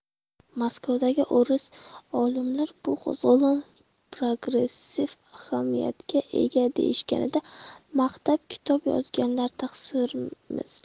maskovdagi o'ris olimlar bu qo'zg'olon progressiv ahamiyatga ega deyishganida maqtab kitob yozganlar taqsirimiz